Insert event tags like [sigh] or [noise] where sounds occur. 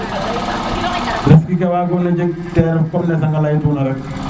[noise] risque fe wago na jeg te ref comme sanga ley tuuna rek